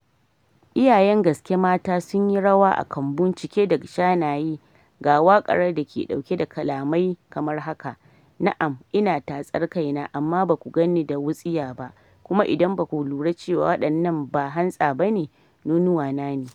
Iyayen gaske mata sunyi rawa a kambu-cike da shanaye ga wakar da ke dauke da kalamai kamar haka: "Na'am, ina tatsar kaina, amma baku ganni da wutsiya ba" kuma "Idan ba ku lura cewa wadannan ba hantsa bane, nonuwa na ne."